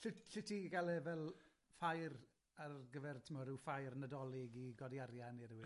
Lly- 'lle ti ga'l e fel ffair ar gyfer, timod, ryw ffair Nadolig i godi arian i rywun?